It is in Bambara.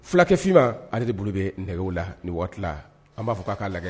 Fulakɛ finman ale de bolo bɛ nɛgɛw la nin waati la, an b'a fɔ k'a ka lajɛ